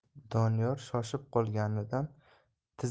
doniyor shoshib qolganidan